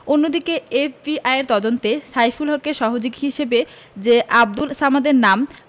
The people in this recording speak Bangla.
অন্যদিকে এফবিআইয়ের তদন্তে সাইফুল হকের সহযোগী হিসেবে যে আবদুল সামাদের নাম